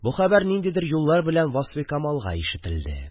Бу хәбәр ниндидер юллар белән Васфикамалга ишетелде